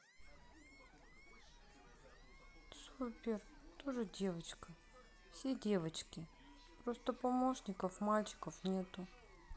super тоже девочка все девочки просто помощников мальчиков нету